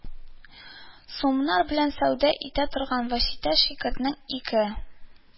Сумнар белән сәүдә итә торган «васита» ширкәтенең ике